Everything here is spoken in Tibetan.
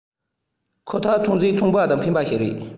ཁོ ཐག ཐོན འབྱེད ཚོང པ དང ཕན པ ཞིག རེད